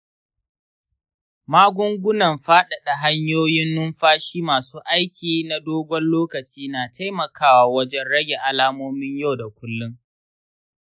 magungunan faɗaɗa hanyoyin numfashi masu aiki na dogon lokaci na taimakawa wajen rage alamomin yau da kullum.